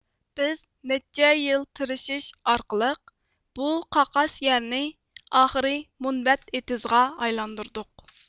بىز نەچچە يىل تىرىشىش ئارقىلىق بۇ قاقاس يەرنى ئاخىرى مۇنبەت ئېتىزغا ئايلاندۇردۇق